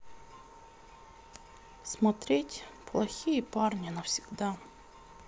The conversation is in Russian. смотреть плохие парни навсегда